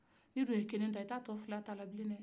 n'i dun ye kelen ta e t'a fila tala bilen dɛ